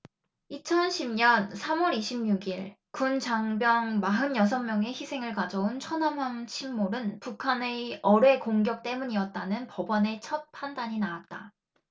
이천 십 년 삼 월 이십 육 일 군 장병 마흔 여섯 명의 희생을 가져온 천안함 침몰은 북한의 어뢰 공격 때문이었다는 법원의 첫 판단이 나왔다